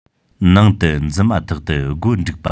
ནང དུ འཛུལ མ ཐག ཏུ སྒོ འགྲིག པ